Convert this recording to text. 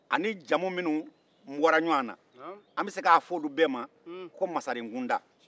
a ni jamu minnu bɔra ɲɔgɔn na an bɛ se k'a fɔ olu bɛɛ ma ko masarenkunda